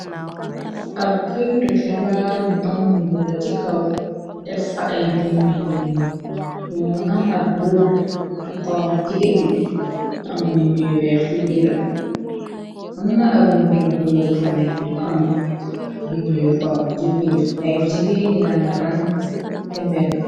Ab këytu xibaar bu am lu bëla ci kaw def fa ay bind yu ñu wo nga am ab rëdd bu xong ci digg be am bindi yu weex ci biiram amna ab rëdd bu bëla bu fa ne bu am bind yu xong ci biir ay jigeen yaa nga rang ca mbedd.